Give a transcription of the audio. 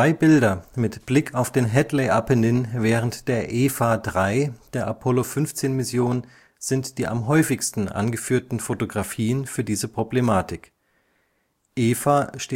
Bilder mit Blick auf den Hadley-Apennin während der EVA3 (Extra-vehicular Activity, dt. Außerbordaktivität) der Apollo-15-Mission sind die am häufigsten angeführten Fotografien für diese Problematik. Das